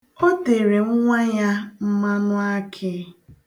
O tere nwa ya mmanụakị.